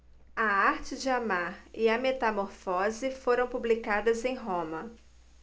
a arte de amar e a metamorfose foram publicadas em roma